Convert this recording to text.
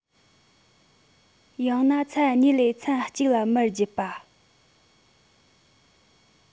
ཡང ན མཚན གཉིས ལས མཚན གཅིག ལ མར བརྒྱུད པ